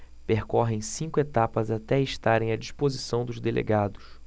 percorrem cinco etapas até estarem à disposição dos delegados